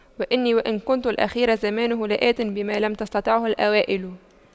وإني وإن كنت الأخير زمانه لآت بما لم تستطعه الأوائل